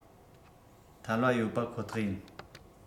ཐལ བ ཡོད པ ཁོ ཐག ཡིན